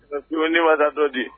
sura ne ma taa dɔ di.